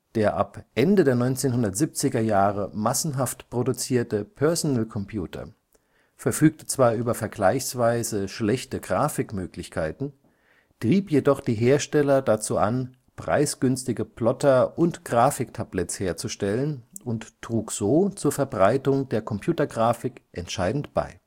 Der ab Ende der 1970er Jahre massenhaft produzierte Personal Computer verfügte zwar über vergleichsweise schlechte Grafikmöglichkeiten, trieb jedoch die Hersteller dazu an, preisgünstige Plotter und Grafiktabletts herzustellen und trug so zur Verbreitung der Computergrafik entscheidend bei